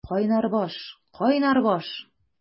Кайнар баш, кайнар баш!